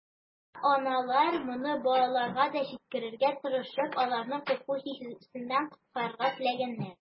Ата-аналар, моны балаларга да җиткерергә тырышып, аларны курку хисеннән коткарырга теләгәннәр.